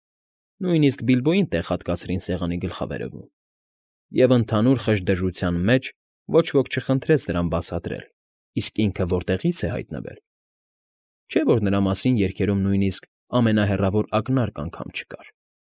Նույնիսկ Բիլբոյին տեղ հատկացրին սեղանի գլխավերևում, և ընդհանուր խժդժության մեջ ոչ ոք չխնդրեց նրան բացատրել՝ իսկ ինքը որտեղից է հայտնվել (չէ՞ որ նրա մասին երգերում նույնիսկ ամենահեռավոր ակնարկն անգամ չկար)։